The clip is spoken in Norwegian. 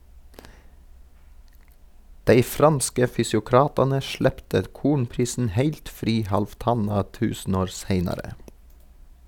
Dei franske fysiokratane slepte kornprisen heilt fri halvtanna tusenår seinare.